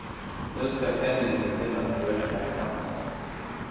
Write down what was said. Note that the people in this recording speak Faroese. nú skal peningurin finnast til verkætlanina